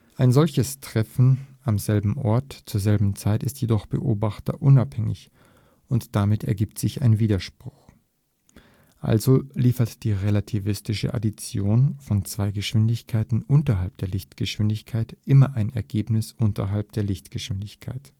Ein solches Treffen am selben Ort zur selben Zeit ist jedoch beobachterunabhängig und damit ergibt sich ein Widerspruch. Also liefert die relativistische Addition von zwei Geschwindigkeiten unterhalb der Lichtgeschwindigkeit immer ein Ergebnis unterhalb der Lichtgeschwindigkeit